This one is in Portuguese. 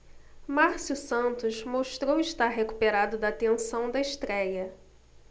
márcio santos mostrou estar recuperado da tensão da estréia